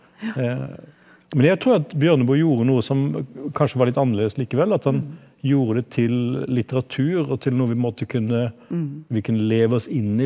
men jeg tror jo at Bjørneboe gjorde noe som kanskje var litt annerledes likevel at han gjorde det til litteratur og til noe vi på en måte kunne vi kunne leve oss inn i.